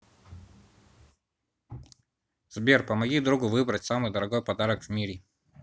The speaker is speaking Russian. сбер помоги другу выбрать самый дорогой подарок в мире